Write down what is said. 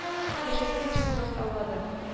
Яшәсен Чынгыз әулады